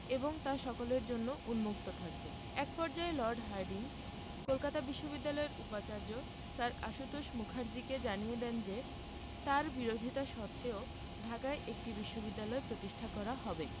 এবং তা সকলের জন্য উন্মুক্ত থাকবে এক পর্যায়ে লর্ড হার্ডিঞ্জ কলকাতা বিশ্ববিদ্যালয়ের উপাচার্য স্যার আশুতোষ মুখার্জীকে জানিয়ে দেন যে তার বিরোধিতা সত্ত্বেও ঢাকায় একটি বিশ্ববিদ্যালয় প্রতিষ্ঠা করা হবে